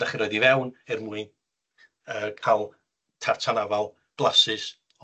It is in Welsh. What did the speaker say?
'dach chi roid i fewn er mwyn yy ca'l tartan afal blasus.